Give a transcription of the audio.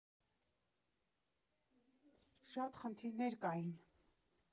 Շատ խնդիրներ կային.